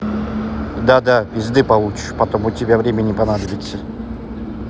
да да пизды получишь потом у тебя время не понадобиться